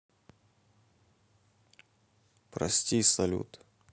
прости салют